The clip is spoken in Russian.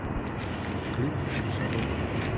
клип мусорок